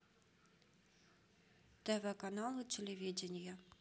тв каналы телевидение